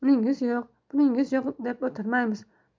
uningiz yo'q buningiz yo'q deb o'tirmaymiz